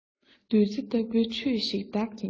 བདུད རྩི ལྟ བུའི ཆོས ཤིག བདག གིས རྙེད